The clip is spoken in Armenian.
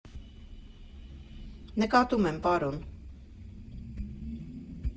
֊ Նկատում եմ, պարոն…